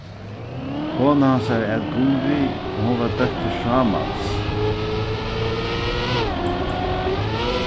kona hansara æt guðrið og hon var dóttir sámals